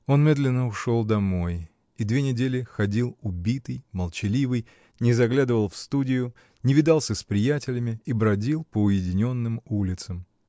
Он медленно ушел домой и две недели ходил убитый, молчаливый, не заглядывал в студию, не видался с приятелями и бродил по уединенным улицам.